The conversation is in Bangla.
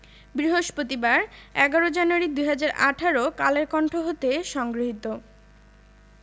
বৃহস্পতিবার ১১ জানুয়ারি ২০১৮ কালের কন্ঠ হতে সংগৃহীত